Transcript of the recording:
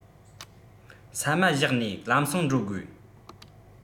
ཟ མ བཞག ནས ལམ སེང འགྲོ དགོས